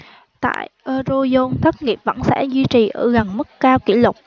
tại eurozone thất nghiệp vẫn sẽ duy trì ở gần mức cao kỷ lục